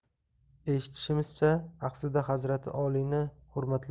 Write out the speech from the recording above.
eshitishimizcha axsida hazrati oliyni hurmatlariga